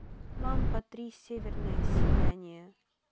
лампа три северное сияние